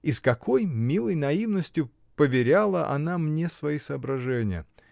И с какой милой наивностью поверяла она мне свои соображения.